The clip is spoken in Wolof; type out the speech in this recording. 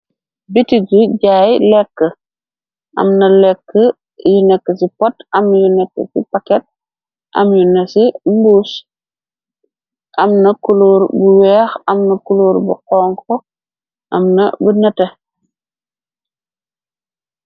Biti gi jaay lekk amna lekk yi nekk ci pot am yu net bi paket am yu na ci mbuus amna kuluur bu weex amna kuluur bu xonko amna bu nete.